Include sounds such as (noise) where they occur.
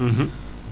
(hesitation) (hesitation)